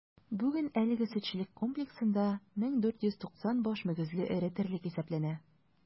Бүген әлеге сөтчелек комплексында 1490 баш мөгезле эре терлек исәпләнә.